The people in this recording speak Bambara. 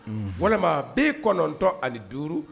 Walima bɛ kɔnɔntɔn ani duuru